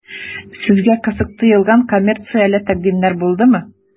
Сезгә кызык тоелган коммерцияле тәкъдимнәр булдымы?